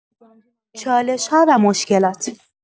چالش‌ها و مشکلات